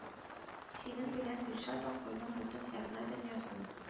Синең белән, Гөлшат акыллым, бөтен сәхнә дөньясын